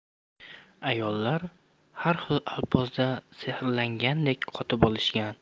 ayollar har xil alpozda sehrlangandek qotib qolishgan